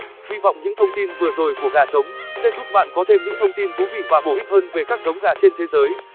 hy vọng những thông tin vừa rồi của gà trống sẽ giúp bạn có thêm những thông tin thú vị và bổ ích hơn về các giống gà trên thế giới